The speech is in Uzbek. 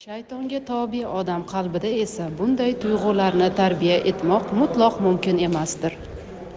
shaytonga tobe odam qalbida esa bunday tuyg'ularni tarbiya etmoq mutlaq mumkin emasdir